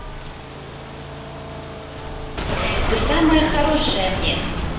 ты самая хорошая мне